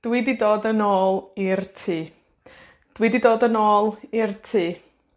dwi 'di dod yn ôl i'r tŷ. Dwi 'di dod yn ôl i'r tŷ.